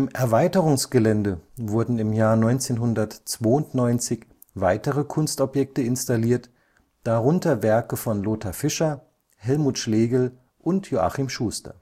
Erweiterungsgelände wurden 1992 weitere Kunstobjekte installiert, darunter Werke von Lothar Fischer, Helmut Schlegel und Joachim Schuster